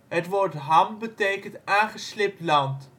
Het woord ham betekent aangeslibd land